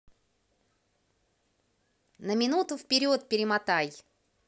на минуту вперед перемотай